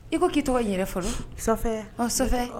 I ko k'i tɔgɔ yɛrɛ fɔlɔ